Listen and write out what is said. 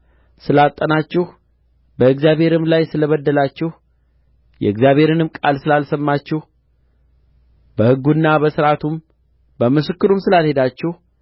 ስላጠናችሁ በእግዚአብሔርም ላይ ስለ በደላችሁ የእግዚአብሔርንም ቃል ስላልሰማችሁ በሕጉና በሥርዓቱም በምስክሩም ስላልሄዳችሁ